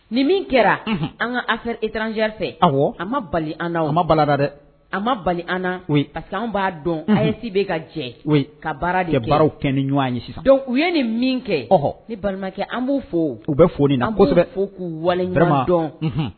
Nin min kɛra an ka a fɛ etranz fɛ a a ma bali an a ma balada dɛ a ma an a san b'a dɔn aye si bɛ ka jɛ ka baara de baaraw kɛ ni ɲɔgɔn ye sisan dɔnku u ye nin min kɛ ɔ ne balimakɛ an b'o fo u bɛ foli na kosɛbɛ fo k'u walima dɔn